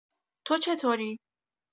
تو چطوری؟